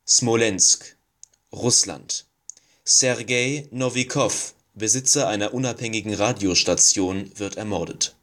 Smolensk/Russland: Sergei Nowikow, Besitzer einer unabhängigen Radiostation, wird ermordet